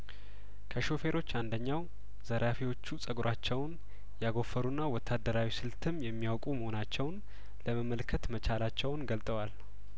ከሾፌሮች አንደኛው ዘራፊዎቹ ጸጉራቸውን ያጐ ፈሩና ወታደራዊ ስልትም የሚያውቁ መሆናቸውን ለመመልከት መቻላቸውን ገልጠዋል